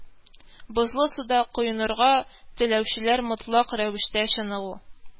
Бозлы суда коенырга теләүчеләр мотлак рәвештә чыныгу